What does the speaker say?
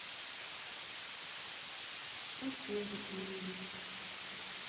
отец в гневе